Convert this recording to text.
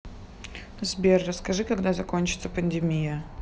сбер расскажи когда закончится пандемия